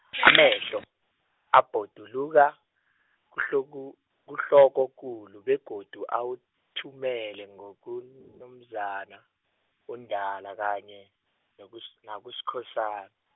amehlo, abhoduluka, kuhloko-, kuhlokokulu begodu awuthumele ngokuN- -Nomzana, uNdala kanye nekus- nakuSkhosana.